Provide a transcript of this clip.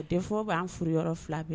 Defo bɛ'an furu yɔrɔ fila bɛ